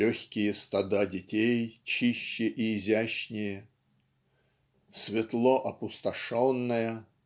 "легкие стада детей чище и изящнее" "светло опустошенная"